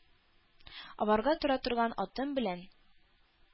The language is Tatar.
Аварга тора торган атым белән,